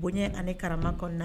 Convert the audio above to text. Bonya ani karama kɔnɔna na